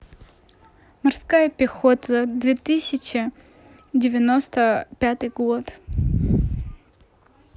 морская пехота две тысячи девяносто пятый год